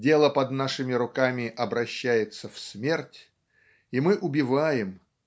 дело под нашими руками обращается в смерть, и мы убиваем